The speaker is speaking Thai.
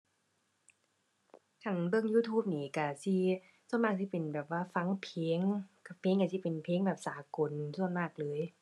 คันเบิ่ง YouTube นี่ก็สิ ส่วนมากสิเป็นแบบว่าฟังเพลง ก็เพลงก็สิเป็นเพลงแบบสากล ส่วนมากเลย